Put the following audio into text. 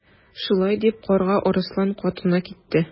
Шулай дип Карга Арыслан катына китте.